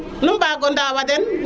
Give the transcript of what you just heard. nu mbago ndawa den